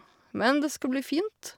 Men det skal bli fint.